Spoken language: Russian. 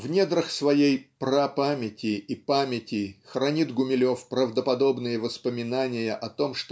В недрах своей "прапамяти" и памяти хранит Гумилев правдоподобные воспоминания о том